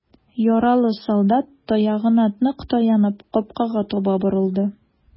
Яралы солдат, таягына нык таянып, капкага таба борылды.